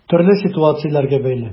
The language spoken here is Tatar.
Төрле ситуацияләргә бәйле.